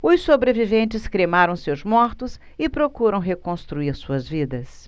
os sobreviventes cremaram seus mortos e procuram reconstruir suas vidas